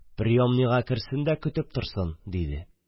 – приемныйга керсен дә көтеп торсын, – диде.